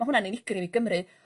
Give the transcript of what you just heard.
Ma' hwnna'n unigryw i Gymru.